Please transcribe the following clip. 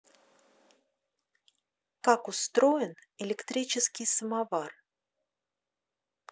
как устроен электрический самовар